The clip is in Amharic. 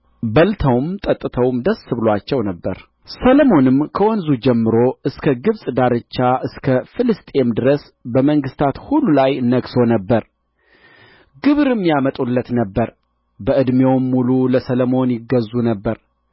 በልተውም ጠጥተውም ደስ ብሎአቸው ነበር ሰሎሞንም ከወንዙ ጀምሮ እስከ ግብጽ ዳርቻ እስከ ፍልስጥኤም ድረስ በመንግሥታት ሁሉ ላይ ነግሦ ነበር ግብርም ያመጡለት ነበር በዕድሜውም ሙሉ ለሰሎሞን ይገዙ ነበር